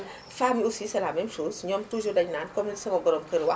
femmes yi aussi c' est la même chose ñoom toujours dañu naan comme li sama borom kër wax